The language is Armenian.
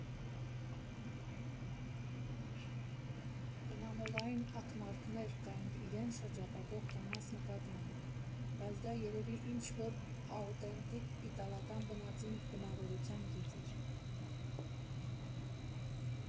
Կնամոլային ակնարկներ կային իրեն շրջապատող կանանց նկատմամբ, բայց դա երևի ինչ֊որ աուտենտիկ իտալական բնածին բնավորության գիծ էր։